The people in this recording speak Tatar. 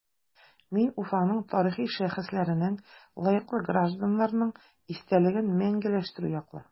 Мин Уфаның тарихи шәхесләренең, лаеклы гражданнарның истәлеген мәңгеләштерү яклы.